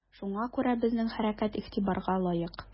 Шуңа күрә безнең хәрәкәт игътибарга лаек.